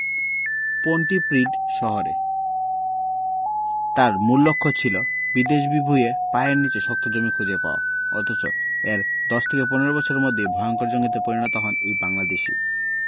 Pontypridd শহরে তাঁর মূল লক্ষ্য ছিল বিদেশ বিভুঁইয়ে পায়ের নিচে শক্ত জমি খুঁজে পাওয়া অথচ এর ১০ ১৫ বছরের মধ্যেই ভয়ংকর জঙ্গিতে পরিণত হন এই বাংলাদেশি